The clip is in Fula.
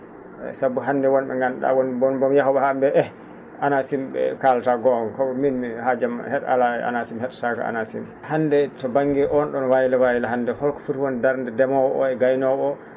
sabu hannde won ?e nganndu?aa woni * yahoo?e haa mbiya eeh ANACIM ?e kalata goonga kono miin haaju am hee?o alaa e ANACIM mi he?otaako ANACIM hannde to ba?nge on ?on waylo waylo hannde holko foti wonde darnde ndemoowo e gaynoowo